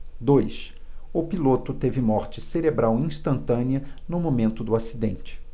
dois o piloto teve morte cerebral instantânea no momento do acidente